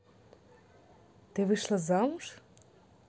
ты вышла замуж